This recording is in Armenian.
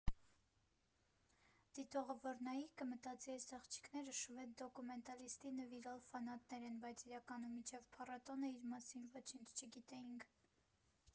Դիտողը որ նայի, կմտածի՝ էս աղջիկները շվեդ դոկումենտալիստի նվիրյալ ֆանատներ են, բայց իրականում մինչև փառատոնը իր մասին ոչինչ չգիտեինք։